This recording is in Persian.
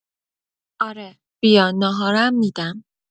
اره بیا ناهارم می‌دم.